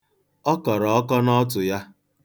Ọ kọrọ ọkọ n'ọtụ ya.